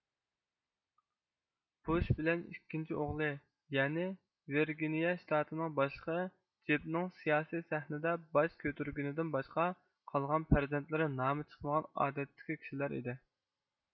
بۇش بىلەن ئىككىنچى ئوغلى يەنى ۋېرگىنىيە شتاتىنىڭ باشلىقى جېبنىڭ سىياسىي سەھنىدە باش كۆتۈرگىنىدىن باشقا قالغان پەرزەنتلىرى نامى چىقمىغان ئادەتتىكى كىشىلەر ئىدى